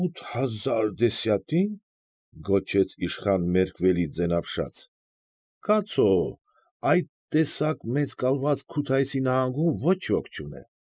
Ո՞ւթ հազար դեսյատի՞ն,֊ գռչեց իշխան Մերկվելիձեն ապշած,֊ կացո՜, այդ տեսակ մեծ կալվածք Քութայիսի նահանգում ոչ ոք չունե։